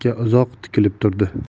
uzoq tikilib turdi